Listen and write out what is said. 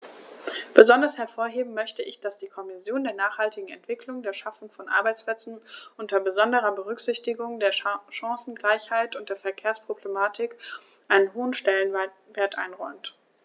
Besonders hervorheben möchte ich, dass die Kommission der nachhaltigen Entwicklung, der Schaffung von Arbeitsplätzen unter besonderer Berücksichtigung der Chancengleichheit und der Verkehrsproblematik einen hohen Stellenwert einräumt.